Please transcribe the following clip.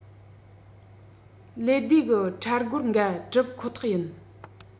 ལད ཟློས གི འཕྲལ རྒོལ འགའ བསྒྲུབ ཁོ ཐག ཡིན